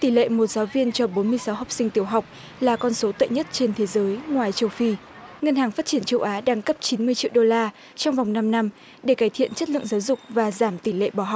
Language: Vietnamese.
tỷ lệ một giáo viên cho bốn mươi sáu học sinh tiểu học là con số tệ nhất trên thế giới ngoài châu phi ngân hàng phát triển châu á đang cấp chín mươi triệu đô la trong vòng năm năm để cải thiện chất lượng giáo dục và giảm tỷ lệ bỏ học